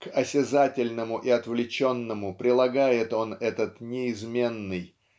к осязательному и отвлеченному прилагает он этот неизменный